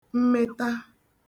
mmeta